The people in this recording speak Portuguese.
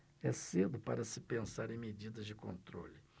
é cedo para se pensar em medidas de controle